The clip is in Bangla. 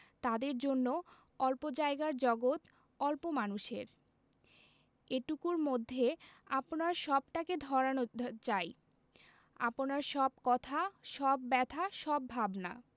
তাদের জন্য অল্প জায়গার জগত অল্প মানুষের এটুকুর মধ্যে আপনার সবটাকে ধরানো চাই আপনার সব কথা সব ব্যাথা সব ভাবনা